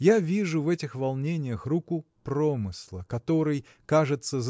Я вижу в этих волнениях руку Промысла который кажется